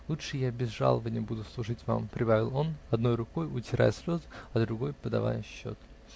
Лучше я без жалованья буду служить вам, -- прибавил он, одной рукой утирая слезы, а другой подавая счет.